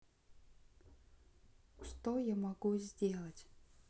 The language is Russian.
что я могу сделать